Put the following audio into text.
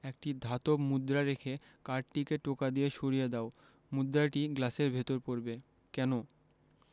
একটি ধাতব মুদ্রা রেখে কার্ডটিকে টোকা দিয়ে সরিয়ে দাও মুদ্রাটি গ্লাসের ভেতর পড়বে কেন